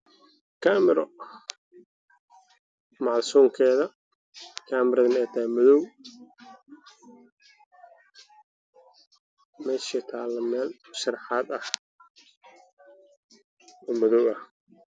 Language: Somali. Bishaan wax ayaa la kaamiray sawirkeed